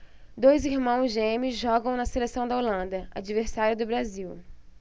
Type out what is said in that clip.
dois irmãos gêmeos jogam na seleção da holanda adversária do brasil